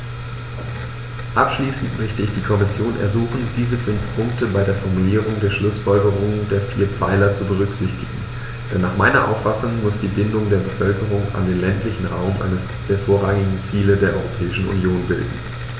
Abschließend möchte ich die Kommission ersuchen, diese fünf Punkte bei der Formulierung der Schlußfolgerungen der vier Pfeiler zu berücksichtigen, denn nach meiner Auffassung muss die Bindung der Bevölkerung an den ländlichen Raum eines der vorrangigen Ziele der Europäischen Union bilden.